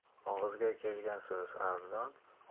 og'izga kelgan so'z arzon